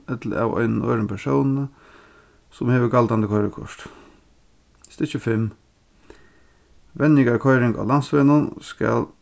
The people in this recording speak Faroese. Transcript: ella av einum øðrum persóni sum hevur galdandi koyrikort stykki fimm venjingarkoyring á landsvegnum skal